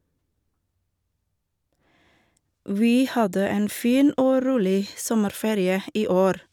Vi hadde en fin og rolig sommerferie i år.